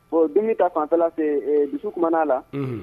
Ɔ dumuni ta fanfɛla fɛ dusu kuman'a la